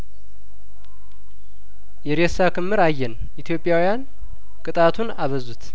የሬሳ ክምር አየን ኢትዮጵያውያን ቅጣቱን አበዙት